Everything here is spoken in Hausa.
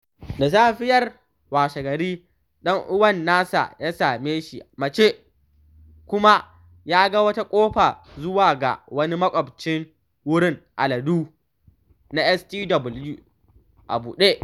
Da safiyar washegari, ɗan uwan nasa ya same shi a mace, kuma ya ga wata ƙofa zuwa ga wani makwaɓcin wurin aladu na sty a buɗe.